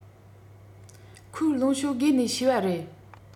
ཁོའི རླུང ཤོ རྒས ནས བྱས པ རེད